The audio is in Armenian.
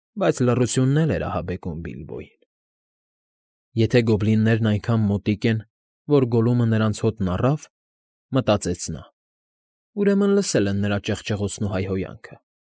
Բայց լռությունն էլ էր ահաբեկում Բիլբոյին։ «Եթե գոբլիններն այնքան մոտիկ են, որ Գոլլումը նրանց հոտն առավ,֊ մտածեց նա,֊ ուրեմն լսել են նրա ճղճղոցն ու հայհոյանքը։